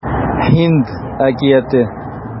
Һинд әкияте